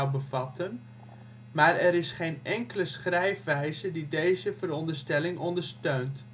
bevatten, maar er is geen enkele schrijfwijze die deze veronderstelling ondersteunt